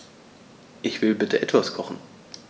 Ich will bitte etwas kochen.